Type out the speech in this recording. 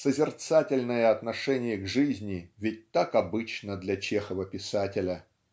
созерцательное отношение к жизни ведь так обычно для Чехова-писателя.